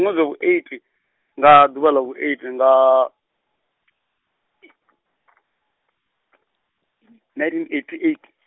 ṅwedzi wa vhu eighty, nga ḓuvha ḽa vhu eight nga, nineteen eighty eight.